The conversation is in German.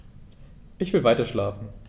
Ich will weiterschlafen.